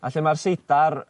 A lle ma'r seidar